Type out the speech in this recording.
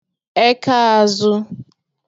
ẹkaàzụ